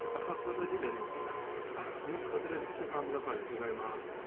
Achos mae fe 'di mynd nawr, oedd yr Instagram Love Island 'di roi mas...